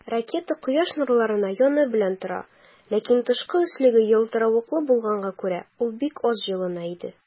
Ракета Кояш нурларына яны белән тора, ләкин тышкы өслеге ялтыравыклы булганга күрә, ул бик аз җылына иде.